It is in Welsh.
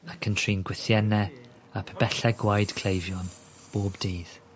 ...ac yn trin gwythienne a pibelle gwaed cleifion bob dydd.